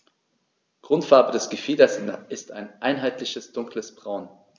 Grundfarbe des Gefieders ist ein einheitliches dunkles Braun.